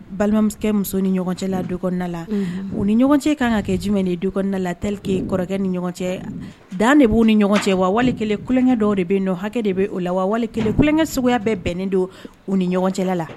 Balimakɛ musow ni ɲɔgɔn cɛla dukɔnɔ na la. Unhun. U ni ɲɔgɔn cɛ ka kan ka kɛ jumɛn de ye dukɔnɔ na la tel que kɔrɔkɛ ni ɲɔgɔn cɛ, dan de bɛ u ni ɲɔgɔn cɛ wa? Walima tulonkɛ dɔw de bɛ yen hakɛ de b'o la wa? Wali kelen tulonkɛ suguya bɛɛ bɛnnen don u ni ɲɔgɔn cɛla la?